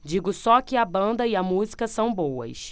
digo só que a banda e a música são boas